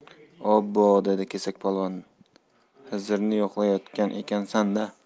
obbo dedi kesakpolvon hizrni yo'qlayotgan ekansan da